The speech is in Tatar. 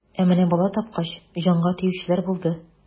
Ә менә бала тапкач, җанга тиючеләр булды.